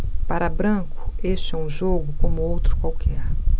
para branco este é um jogo como outro qualquer